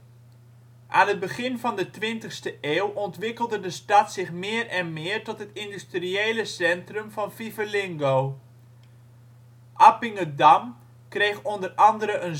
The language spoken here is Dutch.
Aan het begin van de twintigste eeuw ontwikkelde de stad zich meer en meer tot het industriële centrum van Fivelingo. Appingedam kreeg onder andere